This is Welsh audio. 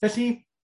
Felly,